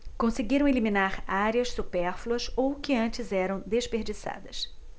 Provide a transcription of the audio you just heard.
conseguiram eliminar áreas supérfluas ou que antes eram desperdiçadas